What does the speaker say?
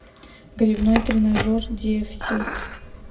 гребной тренажер ди эф си